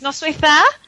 ...noswaith dda.